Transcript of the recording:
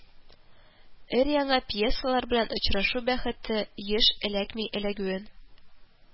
Өр-яңа пьесалар белән очрашу бәхете еш эләкми эләгүен